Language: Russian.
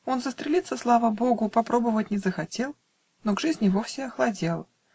Он застрелиться, слава богу, Попробовать не захотел, Но к жизни вовсе охладел.